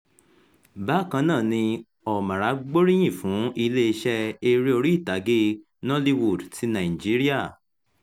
Bákan náà ni Omarah gbóríyìn fún iléeṣẹ́ eré orí ìtàgé Nollywood ti Nàìjíríà.